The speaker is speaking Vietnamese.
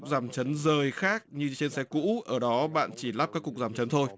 giảm chấn rời khác như trên xe cũ ở đó bạn chỉ lắp các cụm giảm chấn thôi